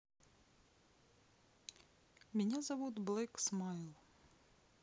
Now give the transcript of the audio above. меня зовут black смайл